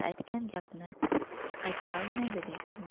aytgan gapini qaytarolmaydi deysizmi